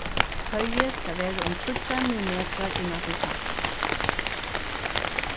toyið skal vera um tríggjar millimetrar innan fyri kantarnar